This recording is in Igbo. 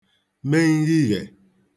me nghighiè